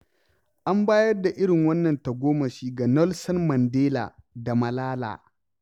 An bayar da irin wannan tagomashi ga Nelson Mandela da Malala.